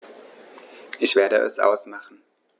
Ich werde es ausmachen